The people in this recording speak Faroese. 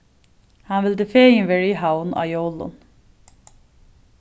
hann vildi fegin vera í havn á jólum